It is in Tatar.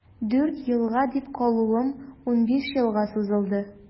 Дүрт елга дип калуым унбиш елга сузылды.